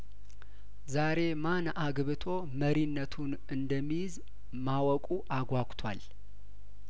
ዛሬ ማን አግብቶ መሪነቱን እንደሚይዝ ማወቁ አጓግቷል